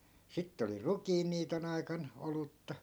sitten oli rukiinniiton aikana olutta